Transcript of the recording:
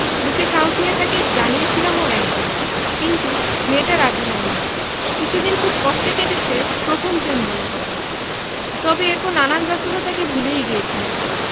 বুকে সাহস নিয়ে তাকে জানিয়েছিলামও একদিন কিন্তু মেয়েটা রাজি হয়নি কিছুদিন খুব কষ্টে কেটেছে প্রথম পেম বলে কথা তবে এরপর নানান ব্যস্ততায় তাকে ভুলেই গিয়েছিলাম